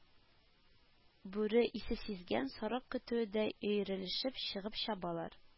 Бүре исе сизгән сарык көтүедәй, өерелешеп чыгып чабалар